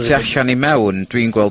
...tu allan i mewn, dwi'n gweld...